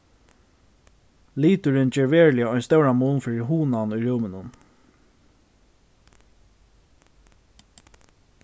liturin ger veruliga ein stóran mun fyri hugnan í rúminum